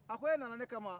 a ko e nana ne ka ma